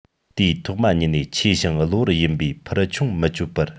དེས ཐོག མ ཉིད ནས ཆེ ཞིང གློ བུར ཡིན པའི འཕུར མཆོང མི སྤྱོད པར